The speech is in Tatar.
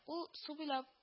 Ул су буйлап